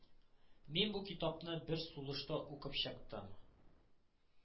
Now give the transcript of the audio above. Мин бу китапны бер сулышта укып чыктым